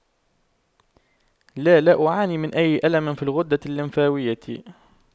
لا لا أعاني من أي ألم في الغدة اللمفاوية